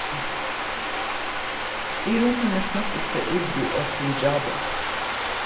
I rommene snakkes det urdu og punjabi.